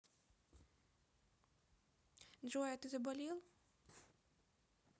джой а ты заболел